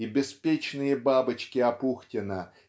И беспечные бабочки Апухтина